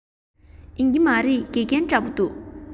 ཡིན གྱི མ རེད དགེ རྒན འདྲ པོ འདུག